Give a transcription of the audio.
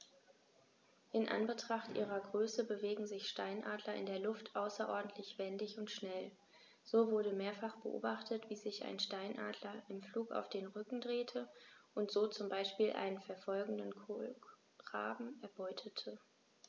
In Anbetracht ihrer Größe bewegen sich Steinadler in der Luft außerordentlich wendig und schnell, so wurde mehrfach beobachtet, wie sich ein Steinadler im Flug auf den Rücken drehte und so zum Beispiel einen verfolgenden Kolkraben erbeutete.